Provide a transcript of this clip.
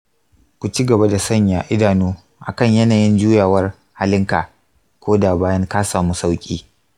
ku ci gaba da sanya idanu akan yanayin juyawar halinka koda bayan ka sami sauƙi.